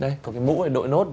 đây có cái mũ này đội nốt